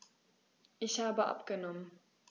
Ich habe abgenommen.